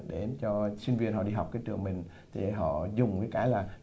để cho sinh viên họ đi học cái trường mình thì họ dùng cái là